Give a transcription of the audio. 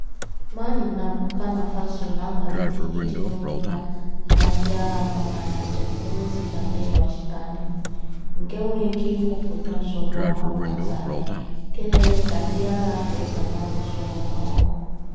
Mali na Burkina Faso na-akwalite ịdị n'otu ha na ndịagha nọ na Niger site n'iziga ndị nnọchiteanya, nke nwere ike ịhụpụta nsogbu ọhụrụ na Sahel nke na-eme ka ndịagha Afrịka na-alụso onwe ha ọgụ.